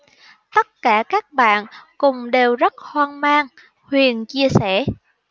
tất cả các bạn cùng đều rất hoang mang huyền chia sẻ